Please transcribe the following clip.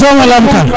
i kene somo lamta